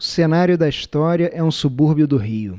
o cenário da história é um subúrbio do rio